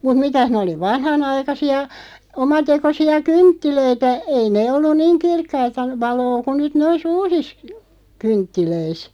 mutta mitäs ne oli vanhanaikaisia omatekoisia kynttilöitä ei ne ollut niin kirkkaita valoa kuin nyt noissa uusissa kynttilöissä